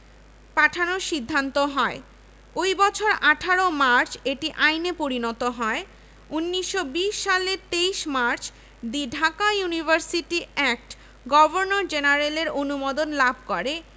ভারতীয় বিধানসভায় উত্থাপিত হয় সরকারি মুখপাত্র শঙ্কর নারায়ণ জানান যে সরকার ঢাকা বিশ্ববিদ্যালয় পরিকল্পনা বাস্তবায়নে বদ্ধপরিকর